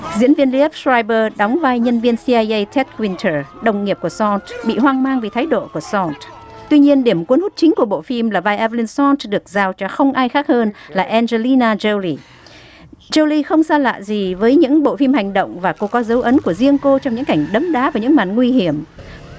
diễn viên li ép soai bơ đóng vai nhân viên ci ai ây thét quin tơ đồng nghiệp của son bị hoang mang vì thái độ của son tuy nhiên điểm cuốn hút chính của bộ phim là vai e ve lin son được giao cho không ai khác hơn là en giơ ly na gieo lì giô ly không xa lạ gì với những bộ phim hành động và cô có dấu ấn của riêng cô trong những cảnh đấm đá và những màn nguy hiểm